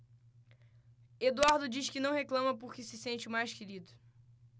eduardo diz que não reclama porque se sente o mais querido